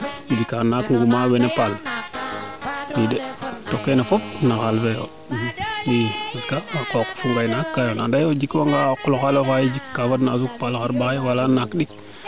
njika naak wene paal i de keene fop na xaal fe yoo i parce a qooq fa ngay naa k ga yoona ande o jik wanga o qolof xalof xaye jik kaa fadna a suq paal xarɓaxay wala naak ɗik